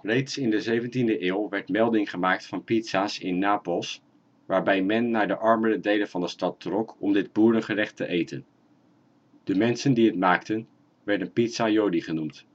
Reeds in de 17e eeuw werd melding gemaakt van pizza 's in Napels, waarbij men naar de armere delen van de stad trok om dit boerengerecht te eten. De mensen die het maakten werden pizzaioli genoemd